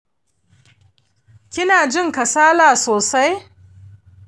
kinajin kasala sosai?